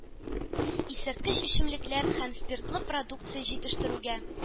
Исерткеч эчемлекләр һәм спиртлы продукция җитештерүгә,